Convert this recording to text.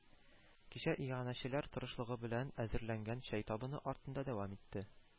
Кичә иганәчеләр тырышлыгы белән эзерләнгән чәй табыны артында дәвам итте